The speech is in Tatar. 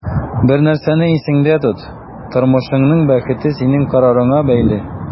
Бер нәрсәне исеңдә тот: тормышыңның бәхете синең карарыңа бәйле.